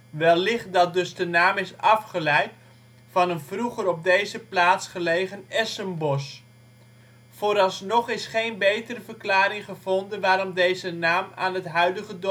Wellicht dat dus de naam is afgeleid van een vroeger op deze plaats gelegen essenbos. Vooralsnog is geen betere verklaring gevonden waarom deze naam aan het huidige